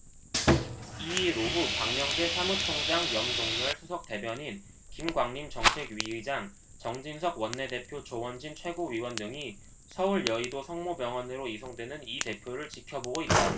이 일 오후 박명재 사무총장 염동열 수석대변인 김광림 정책위의장 정진석 원내대표 조원진 최고위원 등이 서울 여의도성모병원으로 이송되는 이 대표를 지켜보고 있다